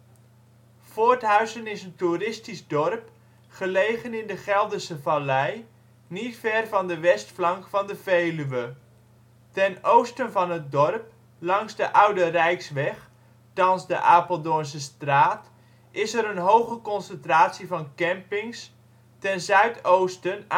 Voorthuizen is een toeristisch dorp, gelegen in de Gelderse Vallei, niet ver van de westflank van de Veluwe. Ten oosten van het dorp, langs de Oude Rijksweg (thans Apeldoornsestraat), is er een hoge concentratie van campings. Ten zuidoosten